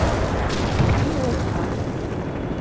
другие лайфхаки